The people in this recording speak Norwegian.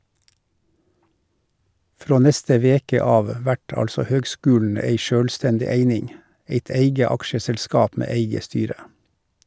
Frå neste veke av vert altså høgskulen ei sjølvstendig eining , eit eige aksjeselskap med eige styre.